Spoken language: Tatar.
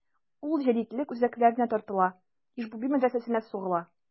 Ул җәдитлек үзәкләренә тартыла: Иж-буби мәдрәсәсенә сугыла.